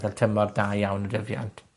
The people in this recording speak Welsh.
ca'l tymor da iawn y dyfiant.